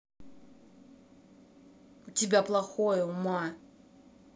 у тебя плохое ума